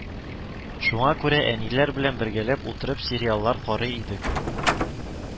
Шуңа күрә әниләр белән бергәрәп утырып сериаллар карый идек